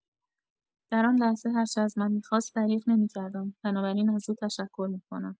در آن لحظه، هرچه از من می‌خواست دریغ نمی‌کردم، بنابراین از او تشکر می‌کنم.